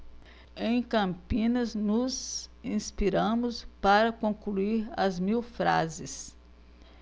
em campinas nos inspiramos para concluir as mil frases